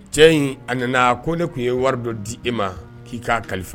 Cɛ in a nana ko ne tun ye wari dɔ di e ma k'i k'a kalifa